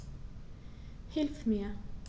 Hilf mir!